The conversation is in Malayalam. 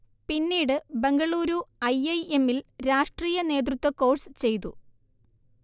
പിന്നീട് ബെംഗളൂരു ഐ ഐ എമ്മിൽ രാഷ്ട്രീയ നേതൃത്വ കോഴ്സ് ചെയ്തു